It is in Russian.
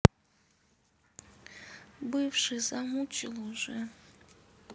бывший замучил уже